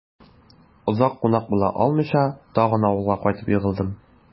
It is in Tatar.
Озак кунак була алмыйча, тагын авылга кайтып егылдым...